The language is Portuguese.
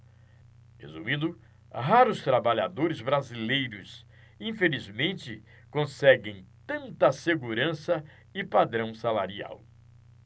resumindo raros trabalhadores brasileiros infelizmente conseguem tanta segurança e padrão salarial